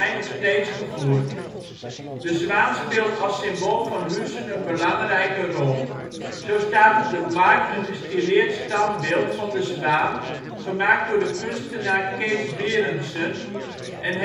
nog steeds gevoerd. De zwaan speelt als symbool van Huissen een belangrijke rol. Zo staat op de Markt een gestileerd standbeeld van de zwaan, gemaakt door de kunstenaar Kees Berendsen en